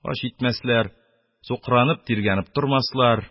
Ач итмәсләр, сукранып, тиргәнеп тормаслар..